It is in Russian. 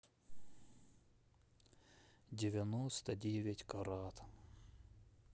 девяносто девять карат